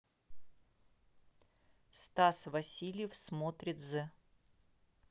стас васильев смотрит з